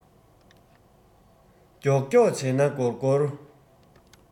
མགྱོགས མགྱོགས བྱས ན འགོར འགོར